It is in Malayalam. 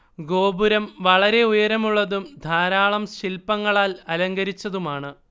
ഗോപുരം വളരെ ഉയരമുള്ളതും ധാരാളം ശില്പങ്ങളാൽ അലങ്കരിച്ചതുമാണ്